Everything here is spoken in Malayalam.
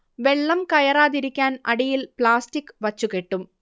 വെള്ളം കയറാതിരിക്കാൻ അടിയിൽ പ്ലാസ്റ്റിക് വച്ചുകെട്ടും